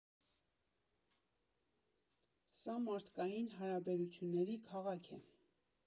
Սա մարդկային հարաբերությունների քաղաք է։